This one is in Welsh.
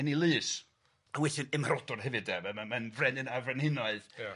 Yn ei lys, a weithiau'n ymrhodwr hefyd 'de, ma' ma' ma'n frenin ar frenhinoedd. Ia.